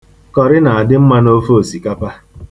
Kọrị na-adị mma n'ofe osikapa.